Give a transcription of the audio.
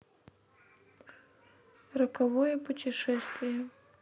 роковое путешествие